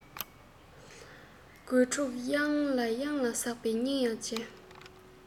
རྒོད ཕྲུག གཡང ལ གཡང ལ ཟགས པ སྙིང ཡང རྗེ